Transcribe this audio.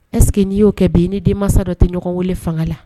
Ɛseke n'i y'o kɛ bin i ni denmansa dɔ tɛ ɲɔgɔnw fanga la